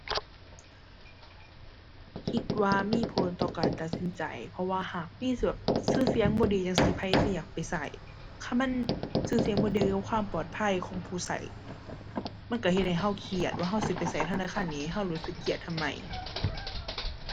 คิดว่ามีผลต่อการตัดสินใจ เพราะว่าหากมี ชื่อเสียงบ่ดีจั่งซี้ ไผสิอยากไปชื่อ คันมันชื่อเสียงบ่ดีกับความปลอดภัยของผู้ชื่อ มันชื่อเฮ็ดให้ชื่อเครียดว่าชื่อสิไปชื่อธนาคารนี้ให้ชื่อรู้สึกเครียดทำไม